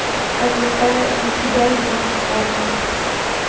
как заставить себя заниматься спортом